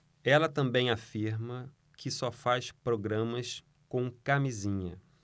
ela também afirma que só faz programas com camisinha